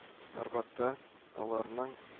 Арбатта аларның